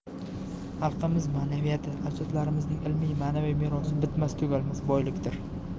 xalqimiz ma'naviyati ajdodlarimizning ilmiy ma'naviy merosi bitmas tugalmas boylikdir